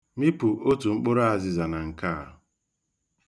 Mịpụ otu mkpụrụ azịzịa na nke a.